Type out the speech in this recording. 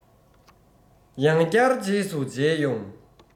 ཡང སྐྱར རྗེས སུ འཇལ ཡོང